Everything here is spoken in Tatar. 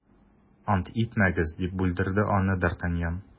- ант итмәгез, - дип бүлдерде аны д’артаньян.